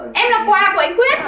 em là quà của anh quyết